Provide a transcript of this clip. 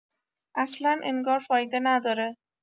اصلا انگار فایده نداره